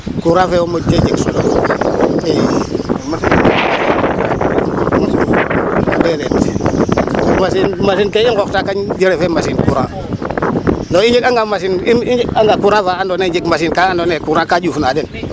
Courant fe yo moƴ ta jeg solo i machine ke i nqooxta refee machine courant ndaa i njeganga machine courant fa andoona ye njeg machine ka andoona yee courant ƴufna den.